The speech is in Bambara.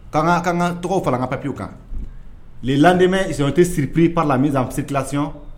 Ka ka ka ka tɔgɔ fana ka papiwu kan ladenmɛ zsonon tɛ siriprip la n mi zananfisi kilasi